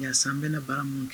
Yasa n bɛna baara minnu kɛ.